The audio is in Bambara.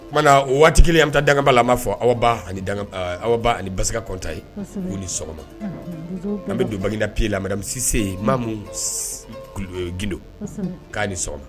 O tumaumana o waati an taa danba laban fɔ aw awba ani basika kɔnta ye uu ni sɔgɔma anan bɛ dubadapiye lamisise ye maamu glo k'a ni sɔgɔma